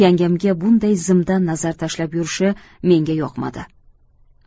yangamga bunday zimdan nazar tashlab yurishi menga yoqmadi